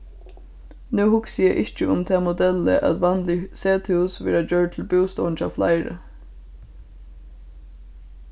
nú hugsi eg ikki um tað modellið at vanlig sethús verða gjørd til bústovn hjá fleiri